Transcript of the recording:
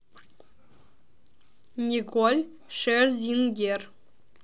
николь шерзингер